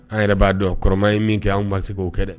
An yɛrɛ b'a dɔn kɔrɔma ye min kɛ an ba se k'o kɛ dɛ